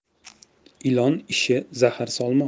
ilon ishi zahar solmoq